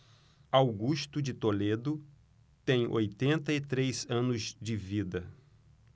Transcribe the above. augusto de toledo tem oitenta e três anos de vida